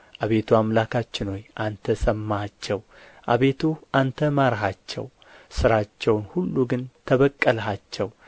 አቤቱ አምላክችን ሆይ አንተ ሰማሃቸው አቤቱ አንተ ማርሃቸው ሥራቸውን ሁሉ ግን ተበቀልሃቸው